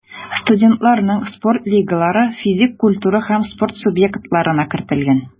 Студентларның спорт лигалары физик культура һәм спорт субъектларына кертелгән.